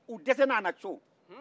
u dɛsɛra a la cɔn